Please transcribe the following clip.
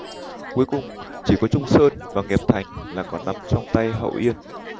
cuối cùng chỉ có trung sơn và nghiệp thành là còn nằm trong tay hậu yên